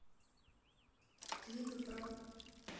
клипы про